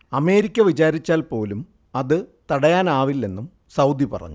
America വിചാരിച്ചാൽ പോലും അതു തടയാനാവില്ലെന്നും സൗദി പറഞ്ഞു